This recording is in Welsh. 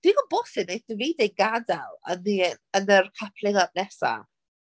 Digon posib wneith Davide gadael yn yr coupling up nesaf.